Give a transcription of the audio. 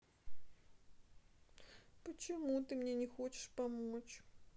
почему ты мне не хочешь помочь